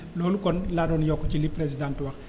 loolu kon laa doon yokk ci li présidente wax